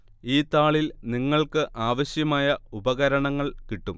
ഈ താളിൽ നിങ്ങൾക്ക് ആവശ്യമായ ഉപകരണങ്ങൾ കിട്ടും